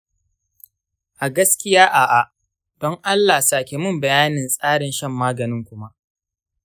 a gaskiya a'a; don allah sake min bayanin tsarin shan maganin kuma.